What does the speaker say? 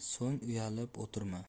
so'ng uyalib o'tirma